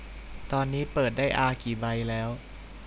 ตอนนี้เปิดได้อากี่ใบแล้ว